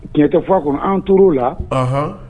Tiɲɛ tɛ fɔ kɔnɔ an t la